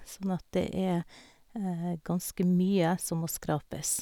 Sånn at det er ganske mye som må skrapes.